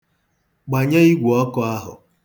Gbanye igwe ọkụ ahụ.